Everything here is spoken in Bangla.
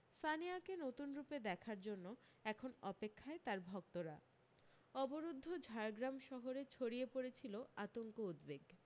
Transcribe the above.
সানিয়াকে নতুন রূপে দেখার জন্য এখন অপেক্ষায় তার ভক্তরা অবরুদ্ধ ঝাড়গ্রাম শহরে ছড়িয়ে পড়েছিল আতঙ্ক উদ্বেগ